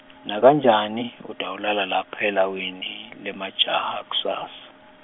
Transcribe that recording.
nakanjani, utawulala lapha elawini, lemajaha kusasa.